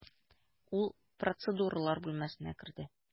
Ул процедуралар бүлмәсенә керде.